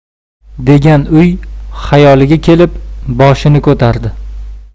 degan uy xayoliga kelib boshini ko'tardi